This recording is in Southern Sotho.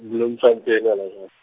Bloemfontein hona jwale.